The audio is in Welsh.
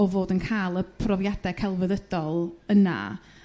o fod yn ca'l y profiada' celfyddydol yna